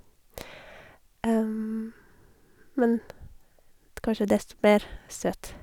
Men kanskje desto mer søt.